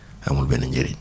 amul benn njëriñ